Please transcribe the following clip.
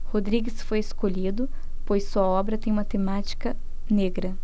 rodrigues foi escolhido pois sua obra tem uma temática negra